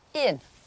Un.